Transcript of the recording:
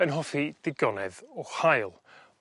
yn hoffi digonedd o haul